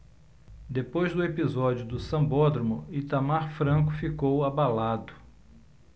depois do episódio do sambódromo itamar franco ficou abalado